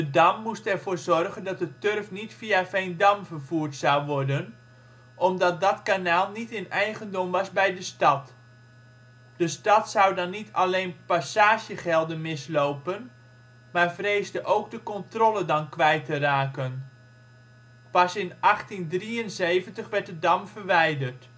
dam moest er voor zorgen dat de turf niet via Veendam vervoerd zou worden, omdat dat kanaal niet in eigendom was bij de stad. De stad zou dan niet alleen passagegelden mislopen, maar vreesde ook de controle dan kwijt te raken. Pas in 1873 werd de dam verwijderd